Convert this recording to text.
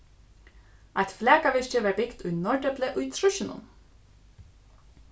eitt flakavirki varð bygt í norðdepli í trýssunum